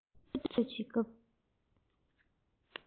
འཚོ སྡོད བྱེད སྐབས